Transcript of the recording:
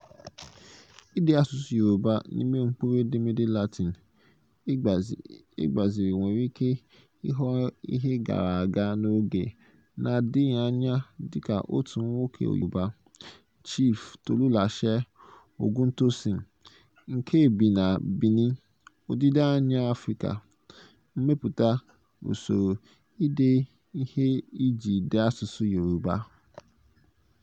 Ide asụsụ Yorùbá n'ime mkpụrụedemede Latin e gbaziri nwere ike ịghọ ihe gara aga n'oge na-adịghị anya dịka otu nwoke Yorùbá , Chief Tolúlàṣe Ògúntósìn, nke bi na Benin, Ọdịda Anyanwụ Afrịka, mepụtara usoro ide ihe iji dee asụsụ Yorùbá .